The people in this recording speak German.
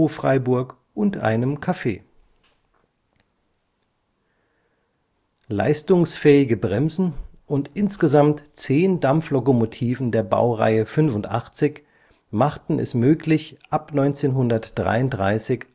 Freiburg und einem Café. 85 007 beim Freiburger Bahnbetriebswerk Leistungsfähige Bremsen und insgesamt zehn Dampflokomotiven der Baureihe 85 machten es möglich, ab 1933